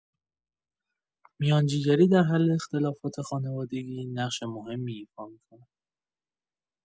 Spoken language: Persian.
میانجیگری در حل اختلافات خانوادگی نقش مهمی ایفا می‌کند.